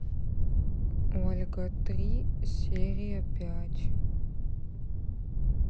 ольга три серия пять